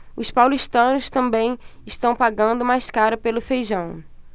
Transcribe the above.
os paulistanos também estão pagando mais caro pelo feijão